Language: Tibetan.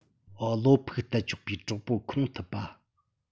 བློ ཕུགས གཏད ཆོག པའི གྲོགས པོ ཁུངས ཐུབ པ